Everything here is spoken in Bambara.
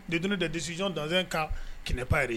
De donner des décisions dans un cas qui n'est pas ré